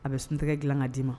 A bɛ sun tɛgɛ dilan k ka d'i ma